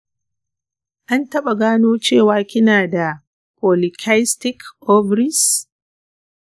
an taɓa gano cewa kina da polycystic ovaries?